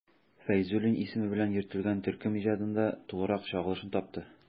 Фәйзуллин исеме белән йөртелгән төркем иҗатында тулырак чагылышын тапты.